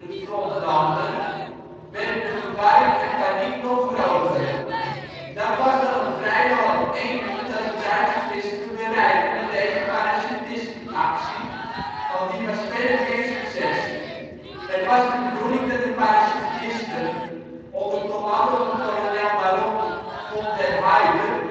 front landden, werden de verwarring en paniek nog groter. Dat was dan ook vrijwel het enige dat de Duitsers wisten te bereiken met deze parachutistenactie, want die was verder geen succes. Het was de bedoeling dat de parachutisten, onder commando van kolonel baron Von der Heydte